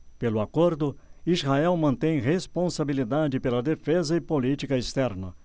pelo acordo israel mantém responsabilidade pela defesa e política externa